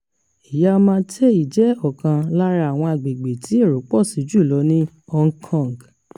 Yau Ma Tei jẹ́ ọ̀kan lára àwọn agbègbè tí èró pọ̀ sí jù lọ ní Hong Kong.